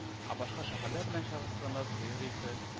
Ә башка шәһәрләр белән чагыштырганда, сыер ите